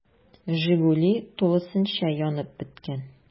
“жигули” тулысынча янып беткән.